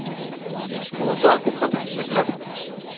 Болында күп матур чәчәкләр,